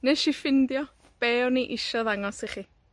Wnesh i ffindio be' o'n i isio ddangos i chi.